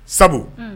Sabu Unhun